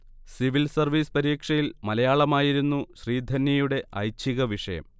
civil service പരീക്ഷയിൽ മലയാളമായിരുന്നു ശ്രീധന്യയുടെ ഐച്ഛീകവിഷയം